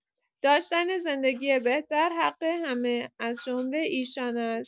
داشتن زندگی بهتر، حق همه، از جمله ایشان است.